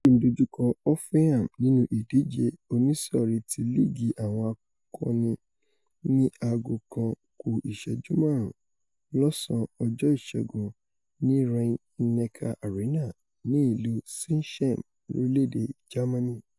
City ńdojúkọ Hoffenheim nínú ìdíje oníṣòrí ti Líìgì Àwọn Akọni ní aago kan ku ìṣẹ́jú máàrún lọ́ọ̀sán ọjọ́ Ìṣẹ́gun ní Rhein-Neckar-Arena ní ìlú Sinsheim, lorilẹ̵-ede Jamani.